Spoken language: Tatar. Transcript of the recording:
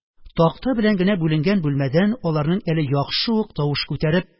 Такта белән генә бүленгән бүлмәдән аларның әле яхшы ук тавыш күтәреп